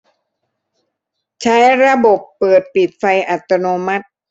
ใช้ระบบเปิดปิดไฟอัตโนมัติ